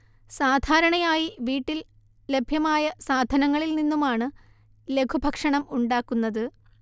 സാധാരണയായി വീട്ടിൽ ലഭ്യമായ സാധനങ്ങളിൽ നിന്നുമാണ് ലഘുഭക്ഷണം ഉണ്ടാക്കുന്നത്